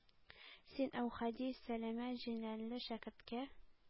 Син, Әүхәди,- сәләмә җиләнле шәкерткә